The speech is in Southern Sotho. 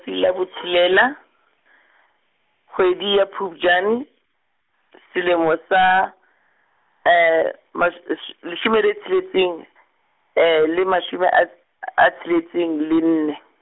tsi la botshelela, kgwedi ya Phupjane selemo sa mas- , leshome tsheletseng, le mashome a, a tsheletseng, le nne.